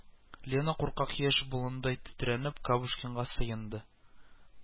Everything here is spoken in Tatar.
Лена, куркак яшь боландай тетрәнеп, Кабушкинга сыенды